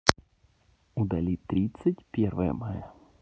удали тридцать первое мая